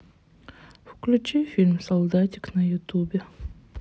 включи фильм солдатик на ютубе